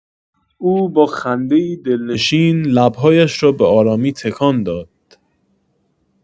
او با خنده‌ای دلنشین، لب‌هایش را به‌آرامی تکان داد.